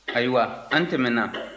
ayiwa an tɛmɛna